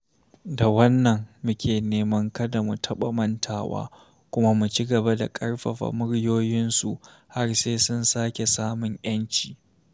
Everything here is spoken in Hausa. Da wannan, muke neman kada mu taɓa mantawa, kuma mu ci gaba da ƙarfafa muryoyinsu har sai sun sake samun yanci.